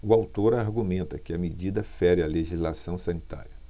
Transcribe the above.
o autor argumenta que a medida fere a legislação sanitária